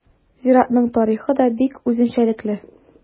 Зиратның тарихы да бик үзенчәлекле.